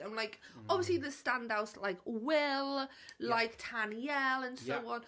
and like, obviously there's standouts like Will, like Tanyel and so on.